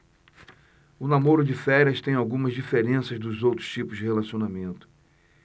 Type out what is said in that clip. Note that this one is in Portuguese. o namoro de férias tem algumas diferenças dos outros tipos de relacionamento